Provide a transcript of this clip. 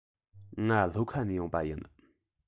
ང ལྷོ ཁ ནས ཡོང པ ཡིན